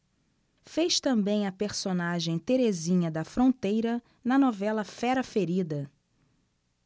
fez também a personagem terezinha da fronteira na novela fera ferida